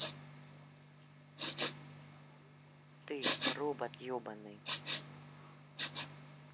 ты робот ебаный